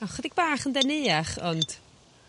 Ma' o chydig bach yn deneuach ond...